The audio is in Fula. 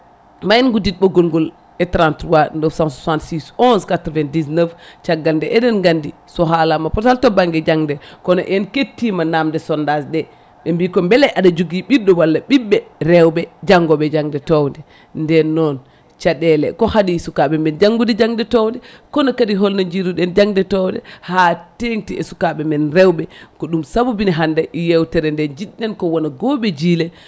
ma en guddit ɓoggol e 33 966 11 99 caggal nde eɗen gandi so haalama pootal to banggue jangde kono en kettima namde sondage ɗe ɓe mbi ko beele aɗa jogui ɓiɗɗo walla ɓiɓɓe rewɓe janggoɓe jangde towde nden noon caɗele ko haaɗi sukaɓe men janggude jangde towde kono kadi holno jiruɗen jangde towde ha tengti e sukaɓe men rewɓe ko sabubini hande yewtere nde jiɗɗen ko wona gooɓe jiile